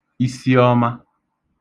isiọma